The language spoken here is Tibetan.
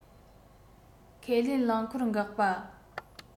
ཁས ལེན རླངས འཁོར འགག པ